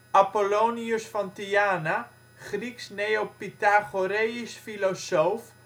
Apollonius van Tyana, Grieks neopythagoreïsch filosoof